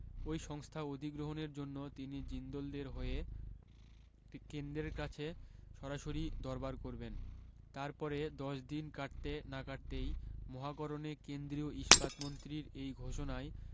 ওই সংস্থা অধিগ্রহণের জন্য তিনি জিন্দলদের হয়ে কেন্দ্রের কাছে সরাসরি দরবার করবেন তার পরে দশ দিন কাটতে নাকাটতেই মহাকরণে কেন্দ্রীয় ইস্পাতমন্ত্রীর এই ঘোষণায়